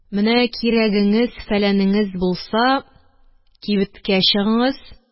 Менә кирәгеңез-фәләнеңез булса, кибеткә чыгыңыз